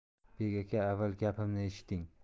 bek aka avval gapimni eshiting